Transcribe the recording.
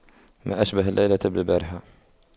ما أشبه الليلة بالبارحة